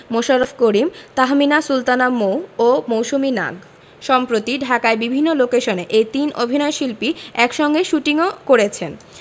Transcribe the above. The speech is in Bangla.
মোশাররফ করিম তাহমিনা সুলতানা মৌ ও মৌসুমী নাগ সম্প্রতি ঢাকার বিভিন্ন লোকেশনে এ তিন অভিনয়শিল্পী একসঙ্গে শুটিংও করেছেন